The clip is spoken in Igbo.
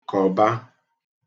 kọ̀ba